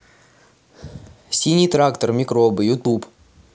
синий трактор микробы ютуб